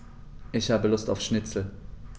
Ich habe Lust auf Schnitzel.